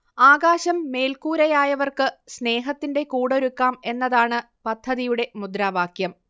ആകാശം മേൽക്കൂരയായവർക്ക് സ്നേഹത്തിന്റെ കൂടൊരുക്കാം എന്നതാണ് പദ്ധതിയുടെ മുദ്രാവാക്യം